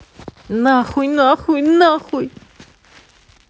нахуй нахуй нахуй